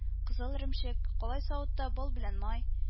Кызыл эремчек, калай савытта бал белән май